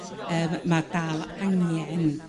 yrr ma' dal angen